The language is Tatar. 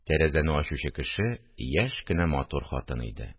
Тәрәзәне ачучы кеше яшь кенә матур хатын иде